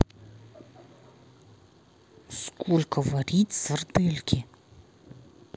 сколько варить сардельки